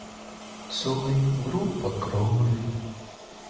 цой группа крови